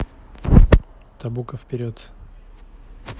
tabuko вперед